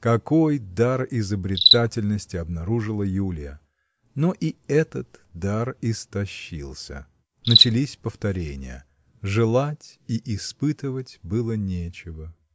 Какой дар изобретательности обнаружила Юлия! Но и этот дар истощился. Начались повторения. Желать и испытывать было нечего.